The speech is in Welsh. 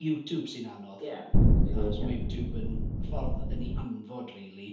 YouTube sy'n anodd... ie odi ie. ...achos ma' YouTube yn ffordd yn ei hanfod, rili.